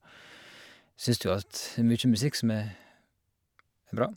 Syns jo at det er mye musikk som er er bra.